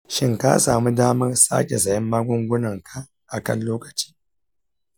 shin ka samu damar sake sayen magungunanka a kan lokaci?